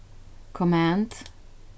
command